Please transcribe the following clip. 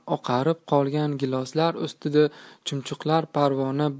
oqarib qolgan giloslar ustida chumchuqlar parvona